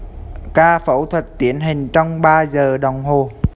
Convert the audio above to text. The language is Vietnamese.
ca phẫu thuật tiến hành trong ba giờ đồng hồ